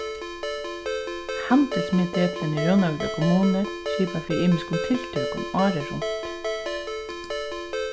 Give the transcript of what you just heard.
handilsmiðdepilin í runavíkar kommunu skipar fyri ymiskum tiltøkum árið runt